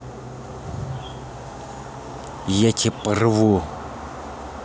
я тебя порву